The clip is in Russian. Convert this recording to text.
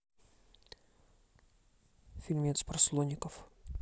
фильмец про слоников